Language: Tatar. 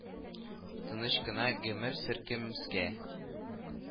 Тыныч кына гомер сөркемскә